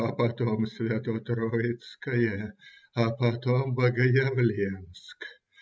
А потом Свято-Троицкое, а потом Богоявленск.